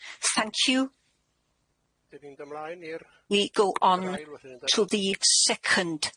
Thank you. We go on to the second.